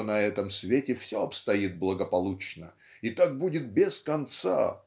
что на этом свете все обстоит благополучно и так будет без конца